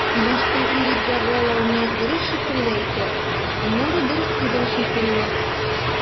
Башта ирек дәгъвалауны дөрес шикелле әйтә, аннары дөрес түгел шикелле.